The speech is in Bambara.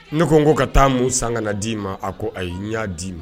Ne ko n ko ka taa min san ka na d'i ma a ko a ye' di